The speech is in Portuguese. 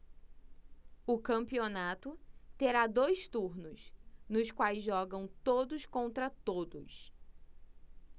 o campeonato terá dois turnos nos quais jogam todos contra todos